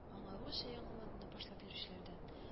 Аңлавыгызча, яңа моданы башлап йөрүчеләрдән